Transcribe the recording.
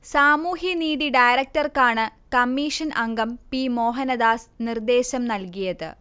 സാമൂഹ്യനീതി ഡയറക്ടർക്കാണ് കമ്മിഷൻ അംഗം പി. മോഹനദാസ് നിർദേശം നൽകിയത്